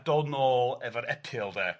a dod nôl efo'r epil, 'de?